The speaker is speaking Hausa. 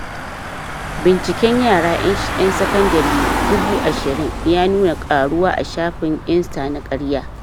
Binciken yara yan sakandare 20,000 ya nuna karuwa a shafin “Insta na karya”